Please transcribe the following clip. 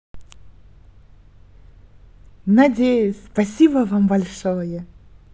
надеюсь спасибо вам большое